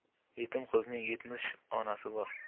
yetim qizning yetmish onasi bor